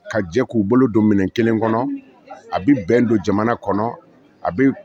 Ka jɛ k'u bolo don minɛn kelen kɔnɔ a bɛ bɛn don jamana kɔnɔ, a bɛ